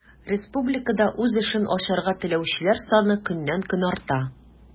Республикада үз эшен ачарга теләүчеләр саны көннән-көн арта.